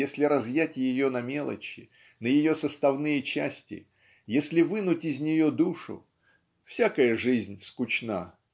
если разъять ее на мелочи на ее составные части если вынуть из нее душу всякая жизнь скучна